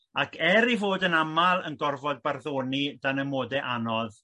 ac er i fod yn amal yn gorfod barddoni dan amodau anodd